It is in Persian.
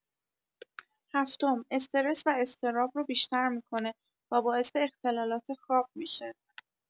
هفتم، استرس و اضطراب رو بیشتر می‌کنه و باعث اختلالات خواب می‌شه.